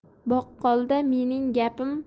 boqqolda mening gapim